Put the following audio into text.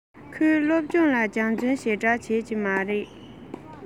ཁོས སློབ སྦྱོང ལ སྦྱོང བརྩོན ཞེ དྲགས བྱེད ཀྱི མ རེད